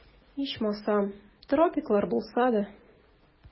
Ичмасам, тропиклар булса да...